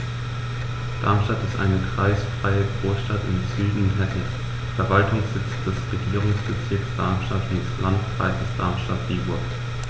Darmstadt ist eine kreisfreie Großstadt im Süden Hessens, Verwaltungssitz des Regierungsbezirks Darmstadt und des Landkreises Darmstadt-Dieburg.